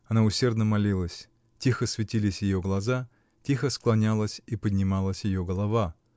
Она усердно молилась: тихо светились ее глаза, тихо склонялась и поднималась ее голова.